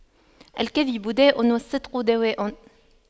الكذب داء والصدق دواء